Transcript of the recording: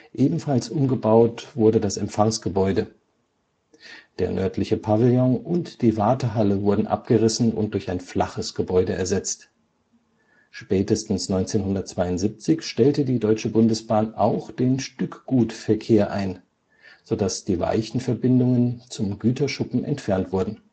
Ebenfalls umgebaut wurde das Empfangsgebäude. Der nördliche Pavillon und die Wartehalle wurden abgerissen und durch ein flaches Gebäude ersetzt. Spätestens 1972 stellte die Deutsche Bundesbahn auch den Stückgutverkehr ein, sodass die Weichenverbindungen zum Güterschuppen entfernt wurden